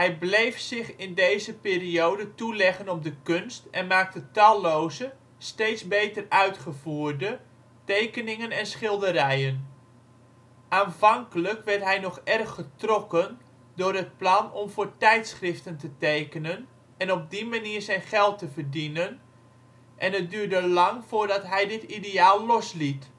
bleef zich in deze periode toeleggen op de kunst en maakte talloze – steeds beter uitgevoerde – tekeningen en schilderijen. Aanvankelijk werd hij nog erg getrokken door het plan om voor tijdschriften te tekenen en op die manier zijn geld te verdienen en het duurde lang voordat hij dit ideaal losliet